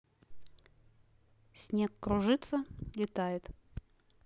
снег кружится летает